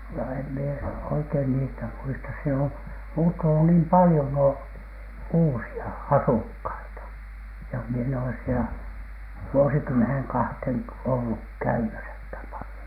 no en minä oikein niistä muista siellä on muuttunut niin paljon nuo uusia asukkaita ja minä en ole siellä vuosikymmeneen kahteen ollut käymässäkään paljon